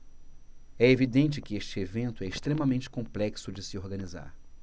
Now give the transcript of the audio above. é evidente que este evento é extremamente complexo de se organizar